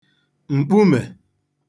m̀kpumè